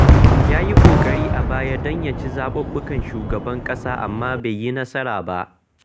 Ya yi ƙoƙari a baya don ya ci zaɓuɓɓukan shugaban ƙasa amma bai yi nasara ba.